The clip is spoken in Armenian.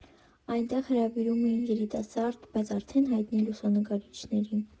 Այնտեղ հրավիրում էին երիտասարդ, բայց արդեն հայտնի լուսանկարիչների։